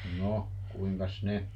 no kuinkas ne